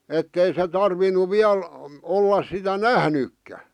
että ei se tarvinnut vielä olla sitä nähnytkään